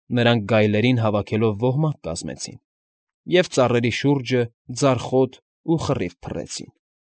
Նրանք գայլերին հավաքելով ոհմակ կազմեցին և ծառերի շուրջը ձարախոտ ու խռիվ փռեցին։